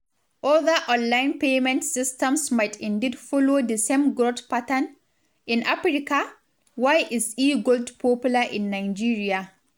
Other online payment systems might indeed follow the same growth pattern, in Africa: Why is e-gold popular in Nigeria?